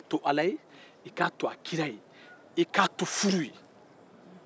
a to ala ye i k'a to a kira ye i k'a to furu ye